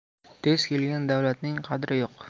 tez kelgan davlatning qadri yo'q